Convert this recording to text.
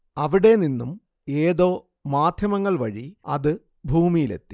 അവിടെ നിന്നും ഏതോ മാധ്യമങ്ങൾ വഴി അത് ഭൂമിയിലെത്തി